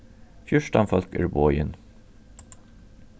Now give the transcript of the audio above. fjúrtan fólk eru boðin